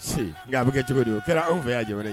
Se nka bɛ kɛ cogo don kɛra anw fɛ y'a jaɛrɛ ye